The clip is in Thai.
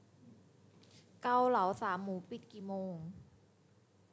เกาเหลาสามหมูปิดกี่โมง